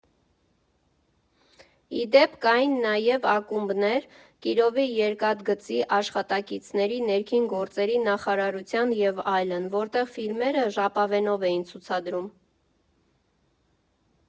Ի դեպ, կային նաև ակումբներ՝ Կիրովի, Երկաթգծի աշխատակիցների, Ներքին գործերի նախարարության և այլն, որտեղ ֆիլմերը ժապավենով էին ցուցադրում։